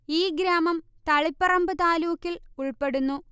ഈ ഗ്രാമം തളിപ്പറമ്പ് താലൂക്കിൽ ഉൾപ്പെടുന്നു